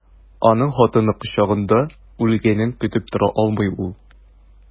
Аның хатыны кочагында үлгәнен көтеп тора алмый ул.